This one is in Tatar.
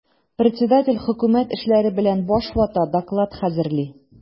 Председатель хөкүмәт эшләре белән баш вата, доклад хәзерли.